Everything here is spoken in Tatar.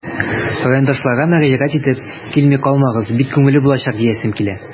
Райондашларга мөрәҗәгать итеп, килми калмагыз, бик күңелле булачак диясем килә.